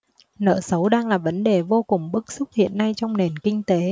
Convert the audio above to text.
nợ xấu đang là vấn đề vô cùng bức xúc hiện nay trong nền kinh tế